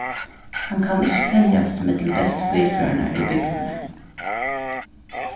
hann kann ikki teljast millum bestu bilførararnar í bygdini